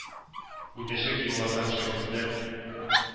Үтәчәк юллардан шәкертләр